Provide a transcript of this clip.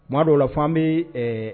U ma dɔw la fɔ bɛ